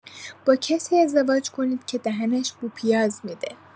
با کسی ازدواج کنید که دهنش بو پیاز می‌ده!